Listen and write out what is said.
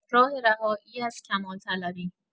راه رهایی از کمال‌طلبی